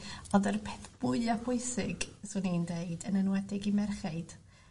Ond yr peth fwya bwysig swn i'n deud yn enwedig i merchaid